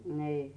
niin